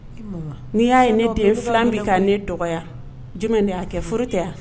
N'i y'a ye ne den ne dɔgɔ de y'a kɛ furu kɛ yan